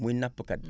muy nappkat bi